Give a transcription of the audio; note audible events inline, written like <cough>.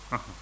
<hesitation> <hesitation>